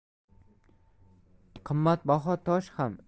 qimmatbaho tosh ham